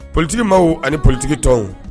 Politigi maaw ani ptigi tɔn